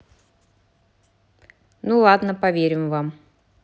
ну ладно поверим вам